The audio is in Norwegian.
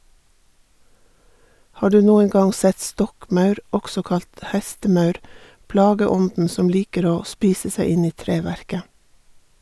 Har du noen gang sett stokkmaur, også kalt hestemaur, plageånden som liker å spise seg inn i treverket?